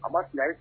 A ma fili a ye